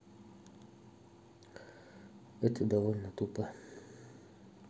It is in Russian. это довольно тупо